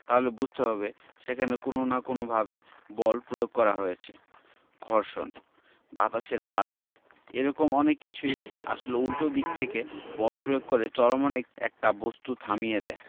তাহলে বুঝতে হবে সেখানে কোনো না কোনোভাবে বল প্রয়োগ করা হয়েছে ঘর্ষণ বাতাসের বাধা এ রকম অনেক কিছু আসলে উল্টো দিক থেকে বল প্রয়োগ করে চলমান একটা বস্তুকে থামিয়ে দেয়